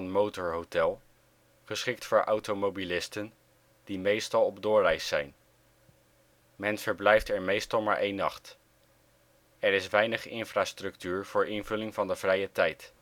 motor-hotel), geschikt voor automobilisten die meestal op doorreis zijn. Men verblijft er meestal maar één nacht. Er is weinig infrastructuur voor invulling van de vrije tijd